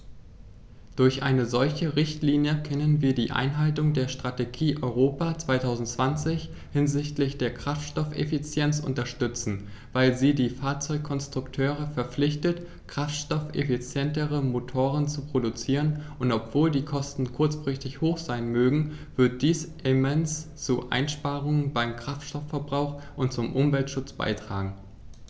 Durch eine solche Richtlinie können wir die Einhaltung der Strategie Europa 2020 hinsichtlich der Kraftstoffeffizienz unterstützen, weil sie die Fahrzeugkonstrukteure verpflichtet, kraftstoffeffizientere Motoren zu produzieren, und obwohl die Kosten kurzfristig hoch sein mögen, wird dies immens zu Einsparungen beim Kraftstoffverbrauch und zum Umweltschutz beitragen.